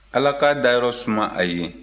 ala k'a dayɔrɔ suma a ye